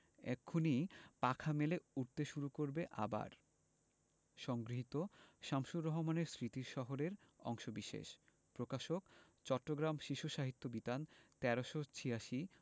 এক্ষুনি পাখা মেলে উড়তে শুরু করবে আবার সংগৃহীত শামসুর রাহমানের স্মৃতির শহর এর অংশবিশেষ প্রকাশকঃ চট্টগ্রাম শিশু সাহিত্য বিতান ১৩৮৬